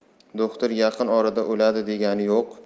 do'xtir yaqin orada o'ladi degani yo'q